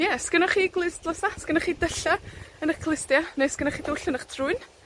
Ie. 'Sgennoch chi i glustlsa, 'sgennoch chi dylla' yn 'ych clustia? Ne' sgennoch chi dwll yn 'ych trwyn?